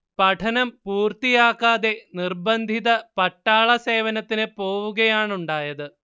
പഠനം പൂർത്തിയാക്കാതെ നിർബദ്ധിത പട്ടാള സേവനത്തിനു പോവുകയാണുണ്ടായത്